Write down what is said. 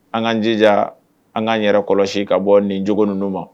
An k'an jija, an k'an yɛrɛ kɔlɔsi ka bɔ nin cogo ninnu ma.